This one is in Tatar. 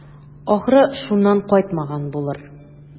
Ахры, шуннан кайтмаган булыр.